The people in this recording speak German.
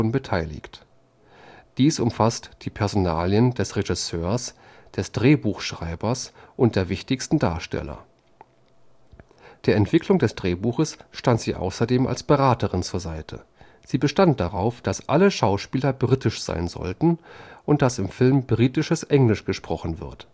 beteiligt. Dies umfasst die Personalien des Regisseurs, des Drehbuchschreibers und der wichtigsten Darsteller. Der Entwicklung des Drehbuchs stand sie außerdem als Beraterin zur Seite. Sie bestand darauf, dass alle Schauspieler britisch sein sollten und dass im Film britisches Englisch gesprochen wird